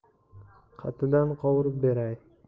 qatidan qovurib beray